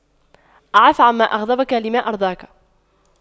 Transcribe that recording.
اعف عما أغضبك لما أرضاك